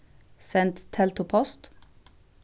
send teldupost